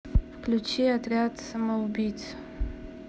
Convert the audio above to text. включи отряд самоубийц